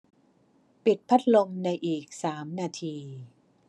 ปิดพัดลมในอีกสามนาที